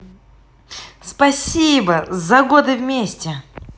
спасибо за годы вместе